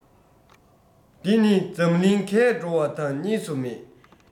འདི ནི འཛམ གླིང གས འགྲོ བ དང གཉིས སུ མེད